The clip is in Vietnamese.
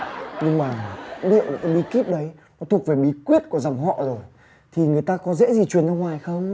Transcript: nhưng mà liệu cái bí kíp đấy nó thuộc về bí quyết của dòng họ rồi thì người ta có dễ gì truyền ra ngoài không